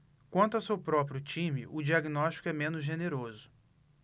quanto ao seu próprio time o diagnóstico é menos generoso